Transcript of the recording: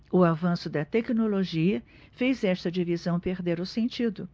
o avanço da tecnologia fez esta divisão perder o sentido